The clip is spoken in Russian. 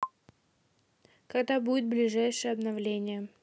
когда будет ближайшее обновление